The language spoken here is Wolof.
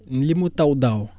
li mu taw daaw